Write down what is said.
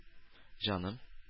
Җаным